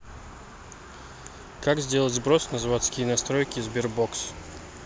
как сделать сброс на заводские настройки sberbox